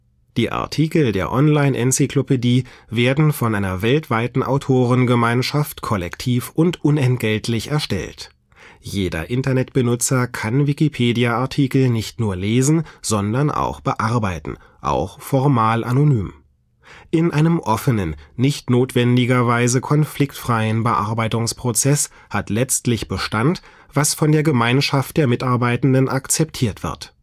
Die Artikel der Online-Enzyklopädie werden von einer weltweiten Autorengemeinschaft kollektiv und unentgeltlich erstellt. Jeder Internetbenutzer kann Wikipedia-Artikel nicht nur lesen, sondern auch bearbeiten, auch formal anonym. In einem offenen, nicht notwendigerweise konfliktfreien Bearbeitungsprozess hat letztlich Bestand, was von der Gemeinschaft der Mitarbeitenden akzeptiert wird